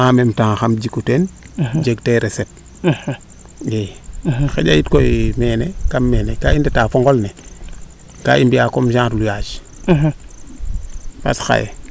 en meme temps xam jiku teen jeg te recette i xaƴa yit koy nene kam meene kaa i ndeta fo ngol ne kaa i mbiya comme genre loyas parce que xaye